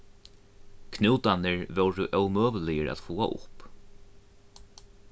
knútarnir vóru ómøguligir at fáa upp